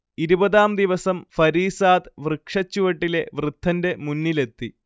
ഇരുപതാം ദിവസം ഫരീസാദ്, വൃക്ഷച്ചുവട്ടിലെ വൃദ്ധന്റെ മുന്നിലെത്തി